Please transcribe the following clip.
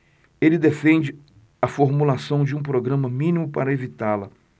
ele defende a formulação de um programa mínimo para evitá-la